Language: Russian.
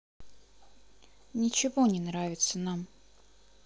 ничего не нравится нам